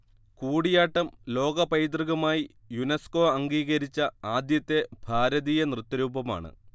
കൂടിയാട്ടം ലോകപൈതൃകമായി യുനെസ്കോ അംഗീകരിച്ച ആദ്യത്തെ ഭാരതീയ നൃത്തരൂപമാണ്